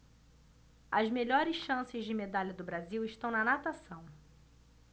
as melhores chances de medalha do brasil estão na natação